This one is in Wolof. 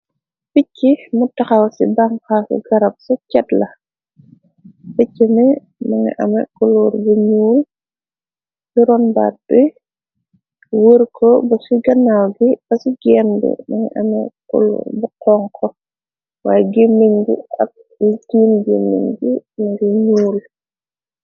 Pichi mu taxaw ci banxaas su garab sa chaat la. Pichi mi mungi ame kuloor bu ñuul sironbart bi. Worr ko ba ci ganaaw gi ba ci genn gi mungi ame kulor bu xonko. Waaye gamen gi ak lu teem gamen gi miñgi ñuul.